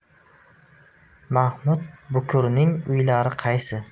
mahmud bukurning uylari qaysi